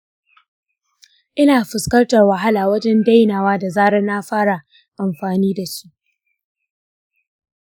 ina fuskantar wahala wajen dainawa da zarar na fara amfani da su.